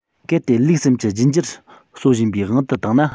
གལ ཏེ ལུག གསུམ གྱི རྒྱུད འགྱུར གསོ བཞིན པའི དབང དུ བཏང ན